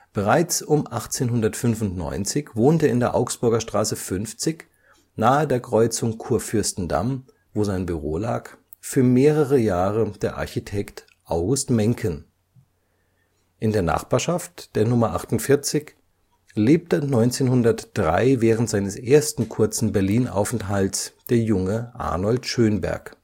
Bereits um 1895 wohnte in der Augsburger Straße 50, nah der Kreuzung Kurfürstendamm, wo sein Büro lag, für mehrere Jahre der Architekt August Menken. In der Nachbarschaft, der Nummer 48, lebte 1903 während seines ersten kurzen Berlinaufenthalts der junge Arnold Schönberg